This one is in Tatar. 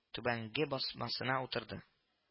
Түбәнге басмасына утырды